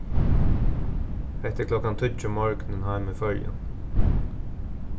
hetta er klokkan tíggju um morgunin heima í føroyum